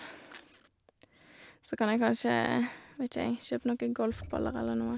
Så kan jeg kanskje, vet ikke, jeg, kjøpe noe golfballer eller noe.